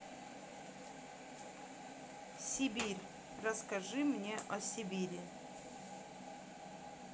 сибирь расскажи мне о сибири